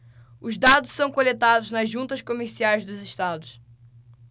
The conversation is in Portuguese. os dados são coletados nas juntas comerciais dos estados